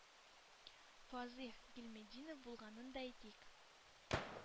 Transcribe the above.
Вазыйх Гыйльметдинов булганын да әйтик.